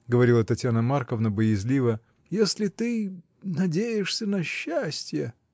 — говорила Татьяна Марковна боязливо, — если ты. надеешься на счастье.